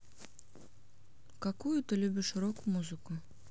какую ты любишь рок музыку